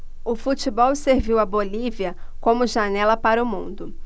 o futebol serviu à bolívia como janela para o mundo